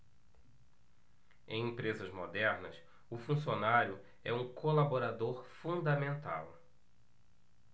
em empresas modernas o funcionário é um colaborador fundamental